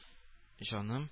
Җаным